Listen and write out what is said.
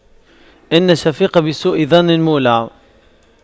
إن الشفيق بسوء ظن مولع